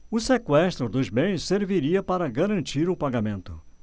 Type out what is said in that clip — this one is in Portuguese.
o sequestro de bens serviria para garantir o pagamento